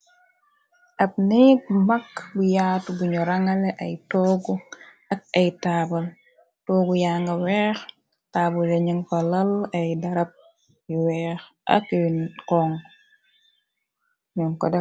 Ab neeg bu mag bu yaatu buñu rangale ay toogu ak ay taabal, toogu yaa nga weex, taabal yi ñën ko lal ay darab yu weex, ak yu xonxu.